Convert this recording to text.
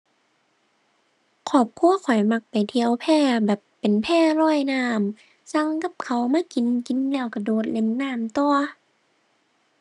ครอบครัวข้อยมักไปเที่ยวแพแบบเป็นแพลอยน้ำ สั่งกับข้าวมากิน กินแล้วก็โดดเล่นน้ำต่อ